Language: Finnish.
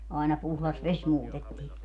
aina puhdas vesi muutettiin